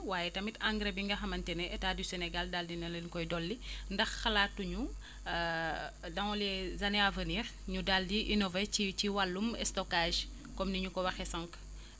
waaye tamit engrais bi nga xamante ni état du Sénégal daal dina leen koy dolli ndax xalaatuñu dans les années à venir ñu daal di innover ci ci wàllum stockage comme :ggfra ni ñu ko waxee sànq